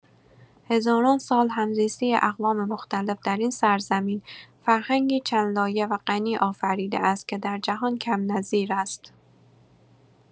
هزاران سال همزیستی اقوام مختلف در این سرزمین، فرهنگی چندلایه و غنی آفریده است که در جهان کم‌نظیر است.